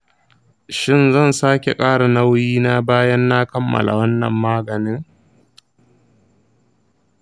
shin zan sake ƙara nauyi na bayan na kammala wannan maganin?